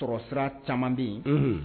Sɔrɔ sira caman bɛ yen